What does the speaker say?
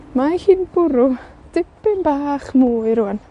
Mae hi'n bwrw dipyn bach mwy rŵan.